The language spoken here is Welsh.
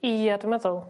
Ie dwi meddwl.